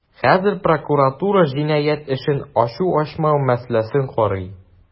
Хәзер прокуратура җинаять эшен ачу-ачмау мәсьәләсен карый.